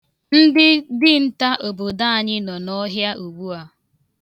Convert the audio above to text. Ndị dinta obodo anyị nọ n'ọhịa ugbua.